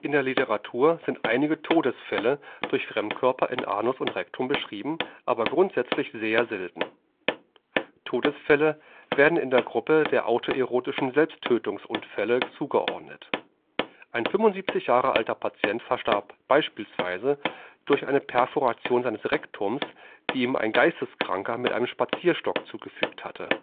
der Literatur sind einige Todesfälle durch Fremdkörper in Anus und Rektum beschrieben, aber grundsätzlich sehr selten. Todesfälle werden der Gruppe der autoerotischen Selbsttötungsunfälle zugeordnet. Ein 75-Jahre alter Patient verstarb beispielsweise durch eine Perforation seines Rektums, die ihm ein Geisteskranker mit einem Spazierstock zugefügt hatte